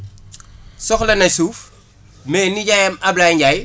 soxla na suuf mais nijaayam Ablaye Ndiaye